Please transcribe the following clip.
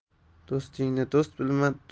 do'stingni do'st bilma